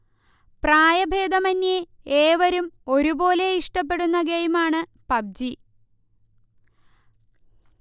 പ്രായഭേദമന്യേ ഏവരും ഒരുപോലെ ഇഷ്ടപെടുന്ന ഗെയിമാണ് പബ്ജി